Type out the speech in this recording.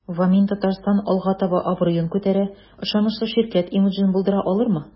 "вамин-татарстан” алга таба абруен күтәрә, ышанычлы ширкәт имиджын булдыра алырмы?